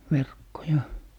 verkkoja